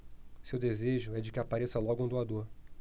seu desejo é de que apareça logo um doador